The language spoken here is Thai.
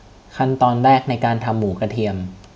ขั้นตอนแรกในการทำหมูกระเทียม